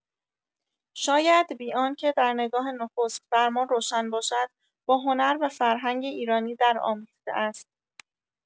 شاید بی‌آنکه در نگاه نخست بر ما روشن باشد، با هنر و فرهنگ ایرانی درآمیخته است.